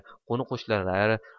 qo'ni qo'shnilari